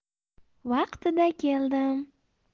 vaqtida keldim